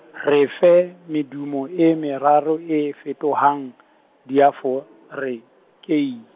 re fe, medumo e meraro e fetohang, diaforekei-.